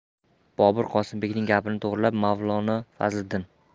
bobur qosimbekning gapini to'g'rilab mavlono fazliddin